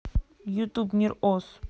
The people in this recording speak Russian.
ютуб мир ос